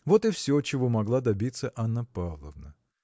Вот и все, чего могла добиться Анна Павловна.